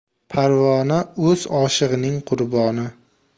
parvona o'z oshig'ining qurboni